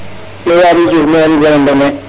Mi Waly Diouf ne'eem geno mene